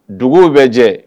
Duguw bɛ jɛ